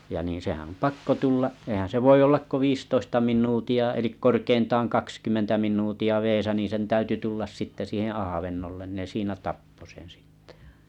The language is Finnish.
ja niin sehän on pakko tulla eihän se voi olla kuin viisitoista minuuttia eli korkeintaan kaksikymmentä minuuttia vedessä niin sen täytyi tulla sitten siihen avannolle ne siinä tappoi sen sitten